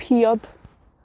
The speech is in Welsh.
piod.